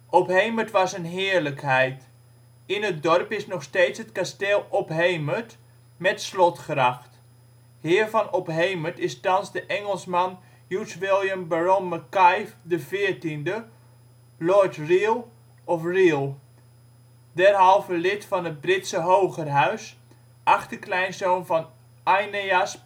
Ophemert was een heerlijkheid. In het dorp is nog steeds het kasteel Ophemert met slotgracht. Heer van Ophemert is thans de Engelsman Hugh William Baron Mackay 14de Lord Reay of Reay, derhalve lid van het Britse Hogerhuis, achterkleinzoon van Æneas